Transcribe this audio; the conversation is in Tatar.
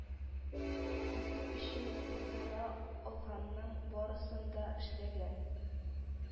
Итү өчен булдыра алганның барысын да эшләгән